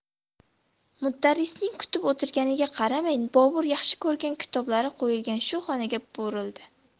mudarrisning kutib o'tirganiga qaramay bobur yaxshi ko'rgan kitoblari qo'yilgan shu xonaga burildi